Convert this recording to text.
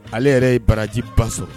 Ale yɛrɛ ye baraji ba so